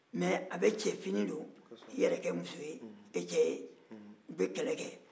mɛ a bɛ cɛfini don k'i yɛrɛ kɛ cɛ ye a bɛ kɛlɛ kɛ